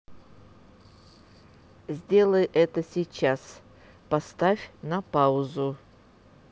сделай это сейчас поставь на паузу